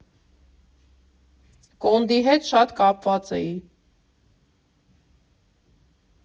Կոնդի հետ շատ կապված էի։